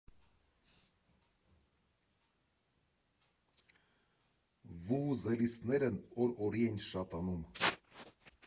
Վուվուզելիստներն օր օրի էին շատանում.